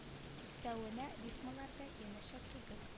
Өстәвенә рифмалар да янәшә түгел